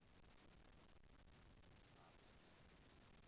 а понятно